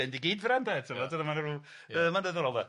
...Bendigeidfran 'de ti'n gwybod dyna ma' 'na rw yy ma'n ddiddorol 'de.